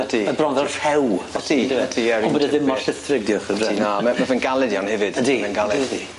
Ydi. Ma' bron fel rhew. Ydi ydi ie. Ond bod e ddim mor llithrig diolch i'r drefn. Ie na ma' ma' fe'n galed iawn hefyd. Ydi. Ma'n galed. Ydi.